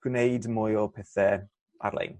gwneud mwy o pethe arlein